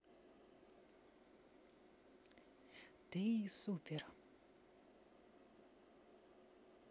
ты супер